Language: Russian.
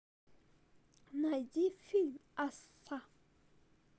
найди фильм асса